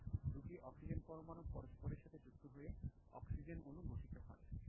দুটি অক্সিজেন পরমাণু পরস্পরের সাথে যুক্ত হয়ে অক্সিজেন অণু গঠিত হয়